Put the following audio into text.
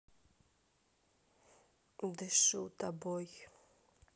дышу тобой